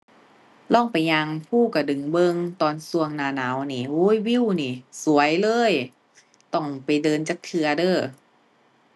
ลองไปย่างภูกระดึงเบิ่งตอนช่วงหน้าหนาวนี่ โอ๊ย วิวนี่สวยเลยต้องไปเดินจักเทื่อเด้อ